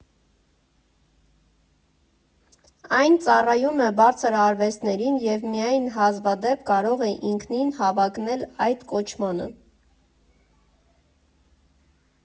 Այն ծառայում է բարձր արվեստներին և միայն հազվադեպ կարող է ինքնին հավակնել այդ կոչմանը։